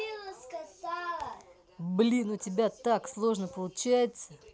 блин у тебя так сложно получается